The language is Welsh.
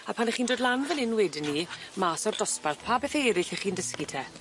A pan o'ch chi'n dod lan fyn 'yn wedyn 'ny mas o'r dosbarth pa bethe eryll 'ych chi'n dysgu te?